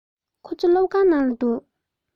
ཁོ ཚོ སློབ ཁང ནང ལ འདུག